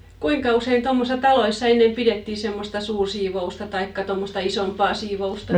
kuinka usein tuommoisissa taloissa ennen pidettiin semmoista suursiivousta taikka tuommoista isompaa siivousta